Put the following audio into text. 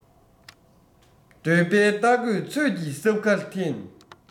འདོད པའི རྟ རྒོད ཚོད ཀྱི སྲབ ཁ འཐེན